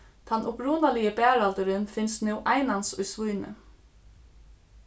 tann upprunaligi baraldurin finst nú einans í svínoy